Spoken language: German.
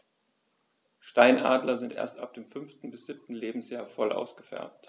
Steinadler sind erst ab dem 5. bis 7. Lebensjahr voll ausgefärbt.